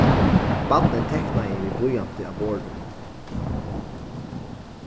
barnið teknaði við blýanti á borðið